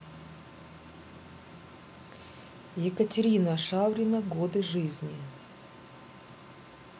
екатерина шаврина годы жизни